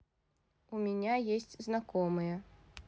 у меня есть знакомые